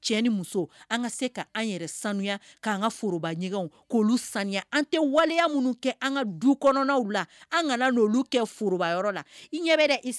Foroya an tɛ waleya minnu kɛ an ka du kɔnɔnw la an ka kɛ forobayayɔrɔ la